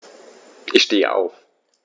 Ich stehe auf.